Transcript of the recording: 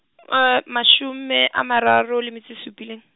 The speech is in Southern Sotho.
mashome, a mararo le metso e supileng.